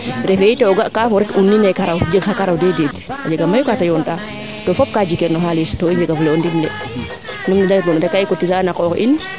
refe yit o ga kaaf o ret un nin e karaw jeg xa karaw a jega mayu kaate yoon ta to fop kaa jikeel na xalis to i njega fule o ndimle mete ref na de kaa i cotiser ana a qoox in